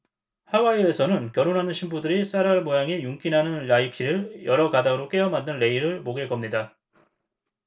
하와이에서는 결혼하는 신부들이 쌀알 모양의 윤기 나는 라이키를 여러 가닥으로 꿰어 만든 레이를 목에 겁니다